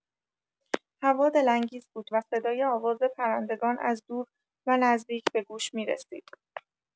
هوا دل‌انگیز بود و صدای آواز پرندگان از دور و نزدیک به گوش می‌رسید.